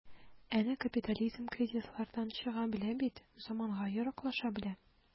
Әнә капитализм кризислардан чыга белә бит, заманга яраклаша белә.